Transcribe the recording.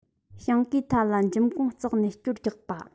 ཞིང གའི མཐའ ལ འཇིམ གོང བརྩེགས ནས སྐྱོར རྒྱག པ